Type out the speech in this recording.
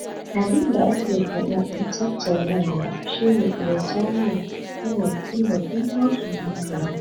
Abin da ake faɗa na tattaunawa shi ne Birtaniyya tana cikin babban tashin hankali.